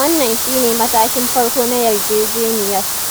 Wannan shi ne matakin farko na yarjejeniyar.